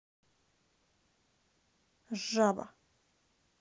жаба